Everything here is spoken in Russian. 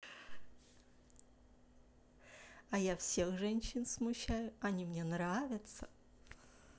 а я всех женщин смущают они мне нравятся